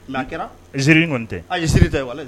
Mɛ a kɛra zsiriri kɔni tɛ a yesiri de ye